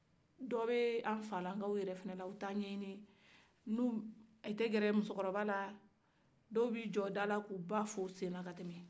dɔw bɛ an falakaw yɛrɛ fana olu tɛ a ɲɛɲini olu tɛ gɛrɛ musokɔrɔbala dɔw bɛ u jo dala ka u ba fo u sen na ka tɛ mɛ